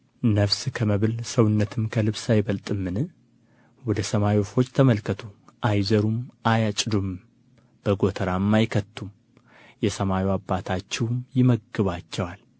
ነፍስ ከመብል ሰውነትም ከልብስ አይበልጥምን ወደ ሰማይ ወፎች ተመልከቱ አይዘሩም አያጭዱምም በጎተራም አይከቱም የሰማዩ አባታችሁም ይመግባቸዋል